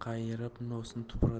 qayirib nosni tupuradi